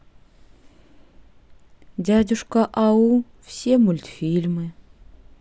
дядюшка ау все мультфильмы